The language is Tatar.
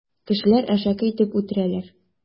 Кешеләр әшәке итеп үтерәләр.